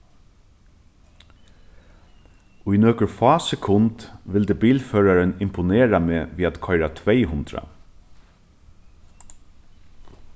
í nøkur fá sekund vildi bilførarin imponera meg við at koyra tvey hundrað